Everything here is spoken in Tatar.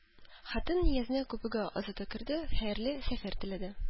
Хатын Ниязны купега озата керде, хәерле сәфәр теләде